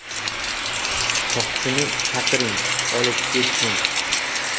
soqchini chaqiring olib ketsin